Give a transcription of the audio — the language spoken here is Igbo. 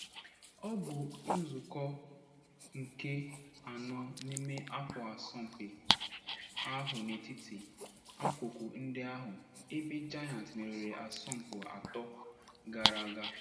Ọ bụ nzụkọ nke anọ n’ime afọ asọmpi ahụ n’etiti akụkụ ndị ahụ, ebe Giants meriri asọmpi atọ gara aga.